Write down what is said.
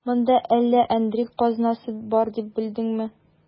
Монда әллә әндри казнасы бар дип белдеңме?